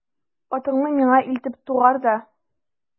Атыңны миңа илтеп тугар да...